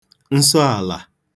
nsọàlà